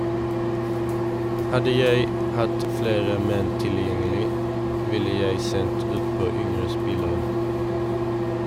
Hadde jeg hatt flere menn tilgjengelig, ville jeg sendt utpå yngre spillere.